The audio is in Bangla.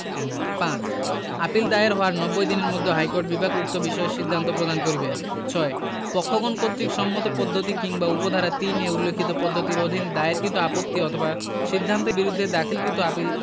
৫ আপীল দায়ের হওয়ার নব্বই দিনের মধ্যে হাইকোর্ট বিভাগ উক্ত বিষয়ে সিদ্ধান্ত প্রদান করিবে ৬ পক্ষগণ কর্তৃক সম্মত পদ্ধতি কিংবা উপ ধারা ৩ এ উল্লেখিত পদ্ধতির অধীন দায়েরকৃত আপত্তি অথবা সিদ্ধান্তের বিরুদ্ধে দাখিলকৃত আপীল